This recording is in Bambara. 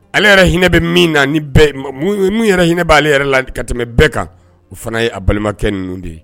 Ale yɛrɛ hinɛ bɛ min na yɛrɛ hinɛ b'ale yɛrɛ la ka tɛmɛ bɛɛ kan o fana ye balimakɛ ninnu de ye